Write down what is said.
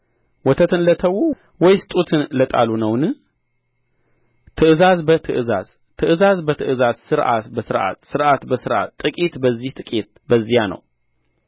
ወተትን ለተዉ ወይስ ጡትን ለጣሉ ነውን ትእዛዝ በትእዛዝ ትእዛዝ በትእዛዝ ሥርዓት በሥርዓት ሥርዓት በሥርዓት ጥቂት በዚህ ጥቂት በዚያ ነው